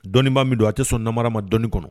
Dɔnbaa min don a tɛ sɔn namarama dɔnni kɔnɔ